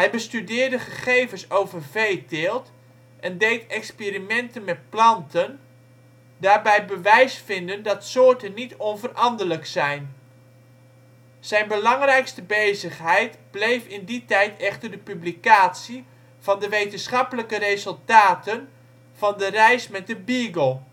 bestudeerde gegevens over veeteelt en deed experimenten met planten, daarbij bewijs vindend dat soorten niet onveranderlijk zijn. Zijn belangrijkste bezigheid bleef in die tijd echter de publicatie van de wetenschappelijke resultaten van de reis met de Beagle